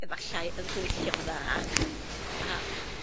efallai yn gweithio'n dda a